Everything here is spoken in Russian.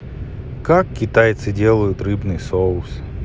как китайцы делают рыбный соус